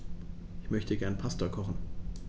Ich möchte gerne Pasta kochen.